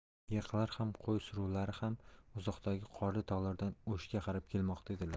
yilqilar ham qo'y suruvlari ham uzoqdagi qorli tog'lardan o'shga qarab kelmoqda edilar